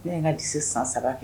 Ne ye n ka lycée san saba kɛ